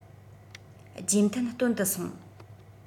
རྗེས མཐུན སྟོན དུ སོང